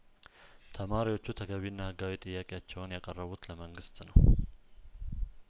ተማሪዎቹ ተገቢና ህጋዊ ጥያቄያቸውን ያቀረቡት ለመንግስት ነው